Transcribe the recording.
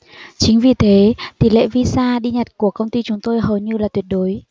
chính vì thế tỷ lệ visa đi nhật của công ty chúng tôi hầu như là tuyệt đối